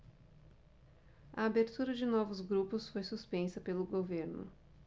a abertura de novos grupos foi suspensa pelo governo